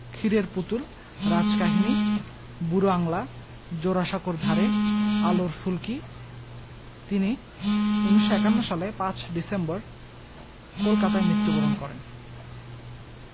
ক্ষীরের পুতুল রাজকাহিনী বুড়ো আংলা জোড়াসাঁকোর ধারে আলোর ফুলকি তিনি ১৯৫১ সালে ৫ই ডিসেম্বর কলকাতায় মৃত্যুবরণ করেন